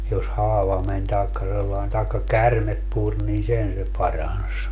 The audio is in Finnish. jos haava meni tai sellainen tai käärme puri niin sen se paransi